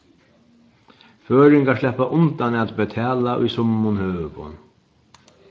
føroyingar sleppa undan at betala í summum høgum